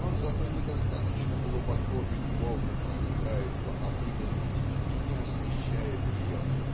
он зато недостаточно глубоко и любовно проникает в обыденность и не освящает ее